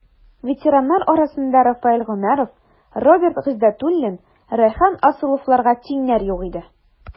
Ветераннар арасында Рафаэль Гомәров, Роберт Гыйздәтуллин, Рәйхан Асыловларга тиңнәр юк иде.